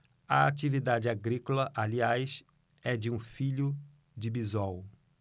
a atividade agrícola aliás é de um filho de bisol